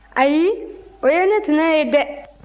ayi o ye ne tɛnɛ ye dɛ